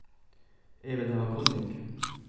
eg vil hava kunning